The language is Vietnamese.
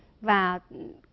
và